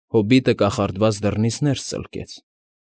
Հոբիտը կախարդված դռնից ներս ծլկեց։